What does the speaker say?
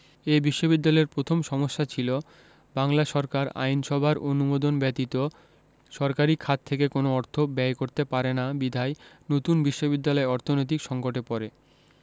এ বিশ্ববিদ্যালয়ের প্রথম সমস্যা ছিল বাংলা সরকার আইনসভার অনুমোদন ব্যতীত সরকারি খাত থেকে কোন অর্থ ব্যয় করতে পারে না বিধায় নতুন বিশ্ববিদ্যালয় অর্থনৈতিক সংকটে পড়ে